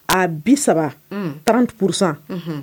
A bi saba tanranti kurusan